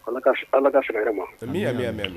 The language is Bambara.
Ala ka f yɛrɛ ma